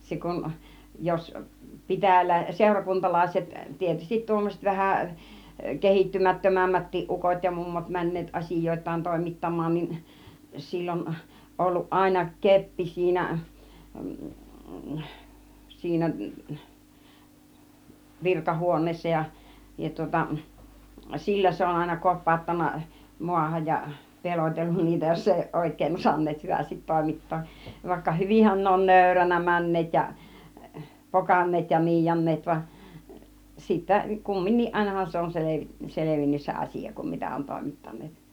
se kun jos - seurakuntalaiset tietysti tuommoiset vähän kehittymättömämmätkin ukot ja mummot menneet asioitaan toimittamaan niin sillä on ollut aina keppi siinä siinä virkahuoneessa ja ja tuota sillä se on aina kopauttanut maahan ja pelotellut niitä jos ei ole oikein osanneet hyvästi toimittaa vaikka hyvinhän ne on nöyränä menneet ja pokanneet ja niianneet vaan sitten kumminkin ainahan se on - selvinnyt se asia kun mitä on toimittaneet